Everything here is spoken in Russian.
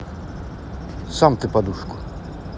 сам ты подушку